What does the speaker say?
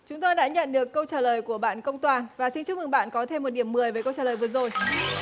chúng tôi đã nhận được câu trả lời của bạn công toàn và xin chúc mừng bạn có thêm một điểm mười với câu trả lời vừa rồi